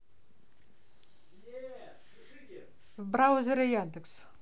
в браузере яндекс